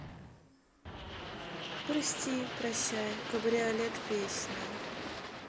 прости прощай кабриолет песня